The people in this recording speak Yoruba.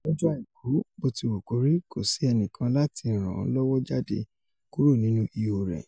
Lọ́jọ́ Àìku, botiwukori, kòsí ẹnikan láti ràn ọ́ lọ́wọ́ jáde kúrò nínú ihò rẹ.